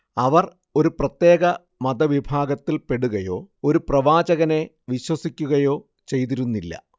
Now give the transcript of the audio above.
അവർ ഒരു പ്രത്യേക മതവിഭാഗത്തിൽപ്പെടുകയോ ഒരു പ്രവാചകനെ വിശ്വസിക്കുകയോ ചെയ്തിരുന്നില്ല